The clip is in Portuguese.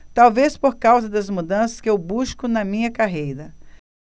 talvez por causa das mudanças que eu busco na minha carreira